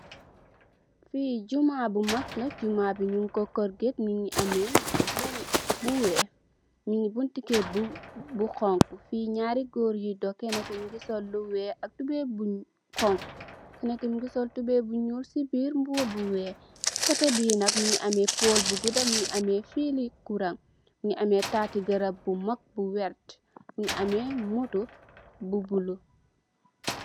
Fi juma bu mag la, juma bi nung ko corket mungi ameh bu weeh, nungi buntu kër bi honku, fi naari gòor yi doh, kenna ki mungi sol lu weeh ak tubeye bu honku, kenen ki mungi sol tubeye bu ñuul ci biir mbuba bu weeh, kotè bi nak mungi ameh pool bu gudda, mungi ameh fili kuran, mungi ameh taati garab bu mag bu vert, mungi ameh moto bu bulo.